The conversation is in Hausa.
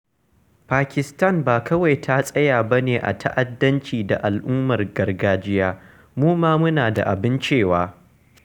Pakistan ba kawai ta tsaya ba ne a ta'addanci da al'ummar gargajiya, mu ma muna da abin cewa.